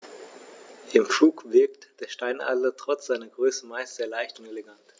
Im Flug wirkt der Steinadler trotz seiner Größe meist sehr leicht und elegant.